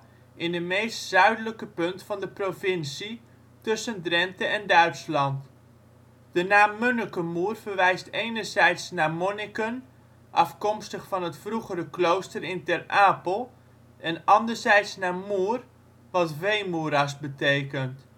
in de meest zuidelijke punt van de provincie, tussen Drenthe en Duitsland. De naam Munnekemoer verwijst enerzijds naar Monniken, afkomstig van het vroegere klooster in Ter Apel, en anderzijds naar moer, wat veenmoeras betekent